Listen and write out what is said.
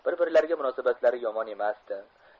bir birlariga munosabatlari yomon emasdi